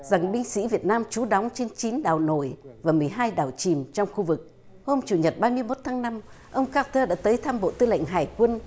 rằng binh sĩ việt nam trú đóng trên chín đảo nổi và mười hai đảo chìm trong khu vực hôm chủ nhật ba mươi mốt tháng năm ông cát tơ đã tới thăm bộ tư lệnh hải quân